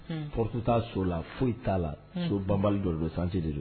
Foyitu t'a so la foyi t'a la so banba dɔ don sante de don